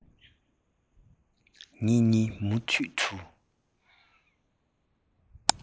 ངེད གཉིས མུ མཐུད དུ